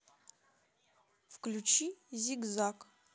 включи зигзаг